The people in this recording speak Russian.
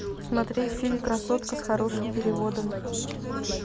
смотреть фильм красотка с хорошим переводом